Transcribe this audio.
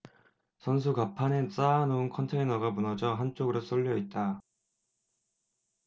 선수 갑판에 쌓아놓은 컨테이너가 무너져 한쪽으로 쏠려 있다